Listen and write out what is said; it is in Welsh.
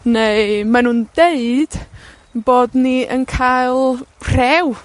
Neu mae nw'n dweud 'yn bod ni yn cael rhew.